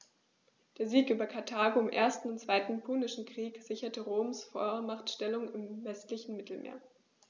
Der Sieg über Karthago im 1. und 2. Punischen Krieg sicherte Roms Vormachtstellung im westlichen Mittelmeer.